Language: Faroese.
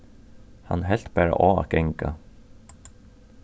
hann helt bara á at ganga